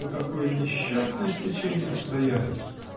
но какое несчастное стечение обстоятельств!